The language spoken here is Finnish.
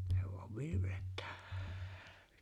se vain virveltää